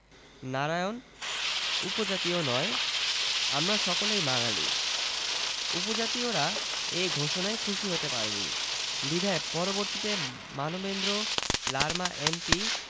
নারায়ণ উপজাতীয় নয় আমরা সকলেই বাঙালি উপজাতয়িরা এ ঘোষণায় খুশী হতে পারেনি বিধায় পরবর্তীতে মানবেন্দ্র লারমা এম.পি.